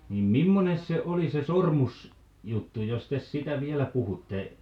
niin millainen se oli se - sormusjuttu jos te sitä vielä puhutte